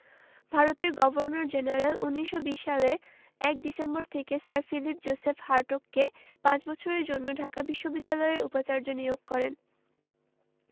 ভারতের governor general ১৯২০ সালের ১ December থেকে স্যার ফিলিপ জোসেফ হার্টগকে পাঁচ বছরের জন্য ঢাকা বিশ্ববিদ্যালয়ের উপাচার্য নিয়োগ করেন